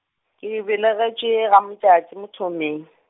ke belegetšwe gaModjadji Mothopeng.